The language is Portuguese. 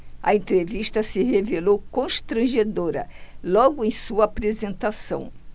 a entrevista se revelou constrangedora logo em sua apresentação